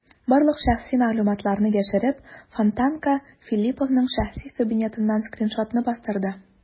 Барлык шәхси мәгълүматларны яшереп, "Фонтанка" Филипповның шәхси кабинетыннан скриншотны бастырды.